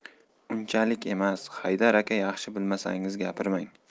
unchalik emas haydar aka yaxshi bilmasangiz gapirmang